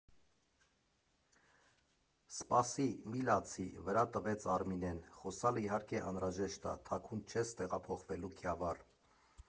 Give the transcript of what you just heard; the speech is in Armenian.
֊ Սպասի, մի լացի, ֊ վրա տվեց Արմինեն, ֊ խոսալը իհարկե անհրաժեշտ ա, թաքուն չես տեղափոխվելու Քյավառ։